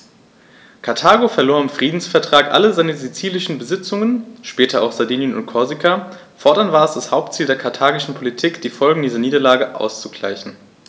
Karthago verlor im Friedensvertrag alle seine sizilischen Besitzungen (später auch Sardinien und Korsika); fortan war es das Hauptziel der karthagischen Politik, die Folgen dieser Niederlage auszugleichen.